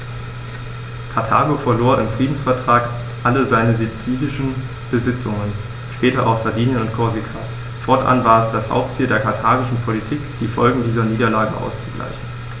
Karthago verlor im Friedensvertrag alle seine sizilischen Besitzungen (später auch Sardinien und Korsika); fortan war es das Hauptziel der karthagischen Politik, die Folgen dieser Niederlage auszugleichen.